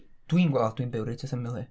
Dwi'n gweld a dwi'n byw reit wrth ymyl hi.